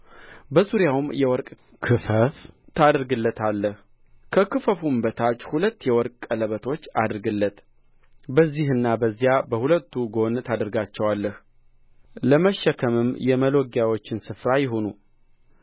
በዙሪያውም የወርቅ ክፈፍ ታደርግለታለህ ከክፈፉም በታች ሁለት የወርቅ ቀለበቶች አድርግለት በዚህና በዚያ በሁለቱ ጎን ታደርጋቸዋለህ ለመሸከምም የመሎጊያዎች ስፍራ ይሁኑ